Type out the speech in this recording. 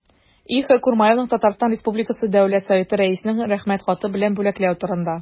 И.Х. Курмаевны Татарстан республикасы дәүләт советы рәисенең рәхмәт хаты белән бүләкләү турында